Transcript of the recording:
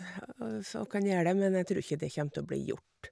og f Og kan gjer det, men jeg tror ikke det kjem til å bli gjort.